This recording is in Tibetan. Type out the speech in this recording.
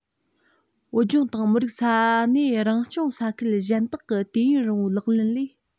བོད ལྗོངས དང མི རིགས ས གནས རང སྐྱོང ས ཁུལ གཞན དག གི དུས ཡུན རིང པོའི ལག ལེན ལས